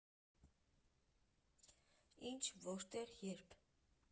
Ի՞նչ։ Որտե՞ղ։ Ե՞րբ։